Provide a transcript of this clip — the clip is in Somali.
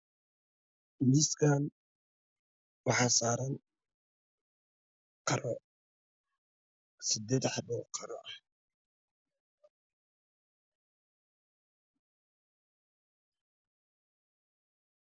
Miiskaan waxaa saaran qaro. seddeed xabo oo qaro ah.